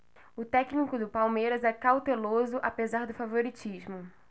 o técnico do palmeiras é cauteloso apesar do favoritismo